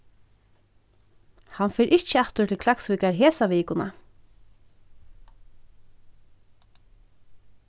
hann fer ikki aftur til klaksvíkar hesa vikuna